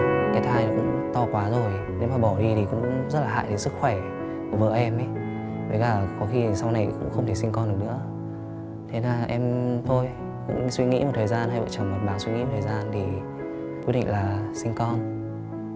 thai to quá rồi nếu mà bỏ đi thì cũng rất hại sức khỏe của vợ em với cả có khi sau này cũng không thể sinh con được nữa thế là em thôi suy nghĩ một thời gian trầm lắng xuống để quyết định là sinh con